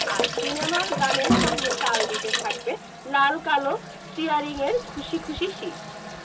আর সিনেমার গানের সঙ্গে তাল দিতে থাকবে লাল কালো স্টীয়ারিং এর খুশি খুশি শিস